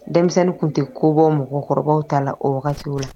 Denmisɛnnin tun tɛ kobɔ mɔgɔkɔrɔbaw taa la o wagati la